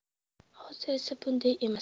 hozir esa bunday emas